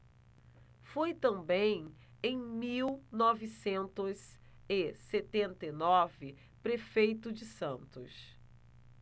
foi também em mil novecentos e setenta e nove prefeito de santos